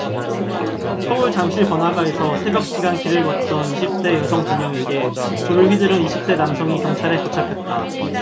서울 잠실 번화가에서 새벽 시간 길을 걷던 이십 대 여성 두 명에게 돌을 휘두른 이십 대 남성이 경찰에 붙잡혔다